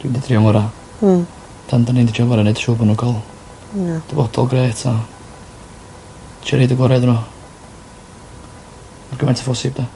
Dwi mynd i trio ngora. Hmm. 'dyn ni 'di trio ngora neud siŵr bo' nw'n ca'l... Ia. ...dyfodol grêt a isio roid y gora' iddyn n'w. Mor gymaint â phosib 'de?